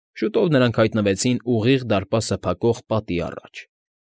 Շուտով նրանք հայտնվեցին ուղիղ դարպասը փակող պատի առաջ։